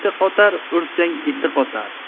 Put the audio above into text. qotar ursang eti qotar